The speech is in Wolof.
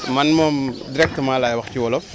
man moom directement laay wax ci wolof